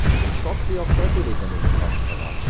Ул шактый акча түли гомуми кассага.